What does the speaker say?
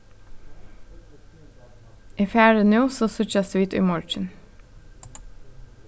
eg fari nú so vit síggjast í morgin